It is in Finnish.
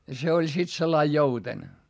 ja se oli sitten sillä lailla jouten